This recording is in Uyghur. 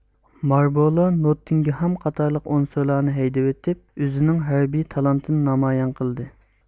ماربولو نوتتىنگخام قاتارلىق ئۇنسۇرلارنى ھەيدىۋېتىپ ئۆزىنىڭ ھەربىي تالانتىنى نامايان قىلدى